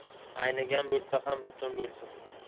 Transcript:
aynigan bo'lsa ham butun bo'lsin